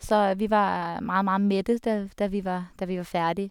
Så vi var meget, meget mette dav da vi var da vi var ferdig.